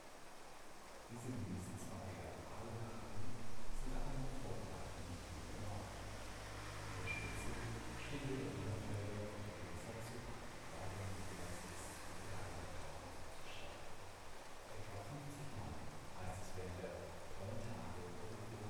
Diese genießen zwar eher lokale Beachtung, sind aber in der Vorbereitung nicht weniger aufwändig. An der Spitze stehen hier der Ehrenfelder und der Nippeser Zoch, beide mit jeweils bis zu 300.000 Zuschauern. Etwa fünfzigmal heißt es während der tollen Tage irgendwo